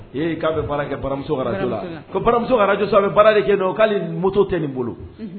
Ee k'a bɛ baara kɛ baramusoj la ko baramusoj bɛ baara de kɛ dɔn k'ale moto tɛ nin bolo